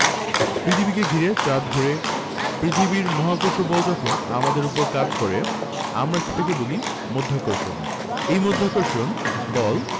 পৃথিবীকে ঘিরে চাঁদ ঘোরে পৃথিবীর মহাকর্ষ বল যখন আমাদের ওপর কাজ করে আমরা সেটাকে বলি মাধ্যাকর্ষণ এই মাধ্যাকর্ষণ বল